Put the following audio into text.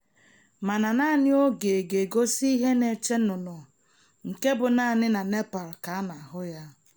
Mana naanị oge ga-egosi ihe na-eche nnụnụ nke bụ naanị na Nepal ka a na-ahụ ya.